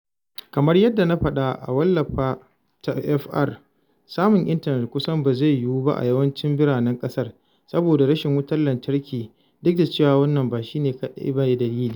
Kamar yadda na faɗa a wallafa ta [Fr], samun intanet kusan ba zai yiwu ba a yawancin biranen ƙasar saboda rashin wutar lantarki duk da cewa wannan ba shi kaɗai bane dalili.